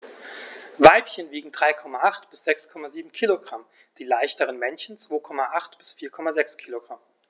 Weibchen wiegen 3,8 bis 6,7 kg, die leichteren Männchen 2,8 bis 4,6 kg.